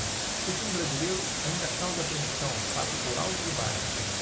o time brasileiro ainda causa apreensão passa por altos e baixos